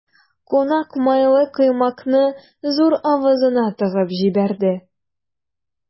Кунак майлы коймакны зур авызына тыгып җибәрде.